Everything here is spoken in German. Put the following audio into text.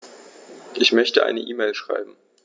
Ich möchte eine E-Mail schreiben.